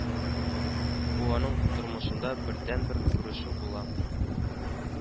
Бу аның тормышында бердәнбер күрешү була